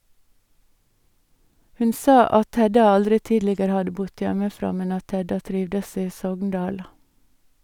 Hun sa at Hedda aldri tidligere hadde bodd hjemmefra, men at Hedda trivdes i Sogndal.